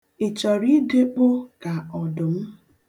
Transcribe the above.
Ị chọrọ idekpo ka ọdụm?